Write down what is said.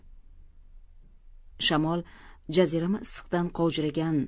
shamol jazirama issiqdan qovjiragan